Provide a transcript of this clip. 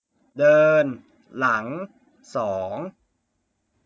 เดินหลังสอง